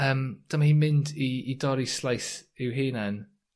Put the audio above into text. yym dyma hi'n mynd i i dorri sleis i'w hunan